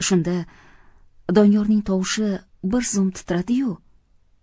shunda doniyorning tovushi bir zum titradi yu